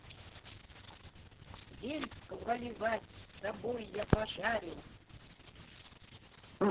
вельск валивать с тобой я пожарю